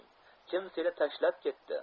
kim seni tashlab ketdi